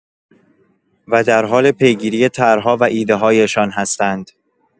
و در حال پیگیری طرح‌ها و ایده‌هایشان هستند.